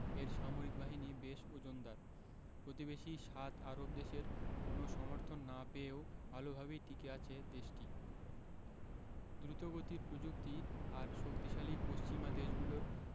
এর সামরিক বাহিনী বেশ ওজনদার প্রতিবেশী সাত আরব দেশের কোনো সমর্থন না পেয়েও ভালোভাবেই টিকে আছে দেশটি দ্রুতগতির প্রযুক্তি আর শক্তিশালী পশ্চিমা দেশগুলোর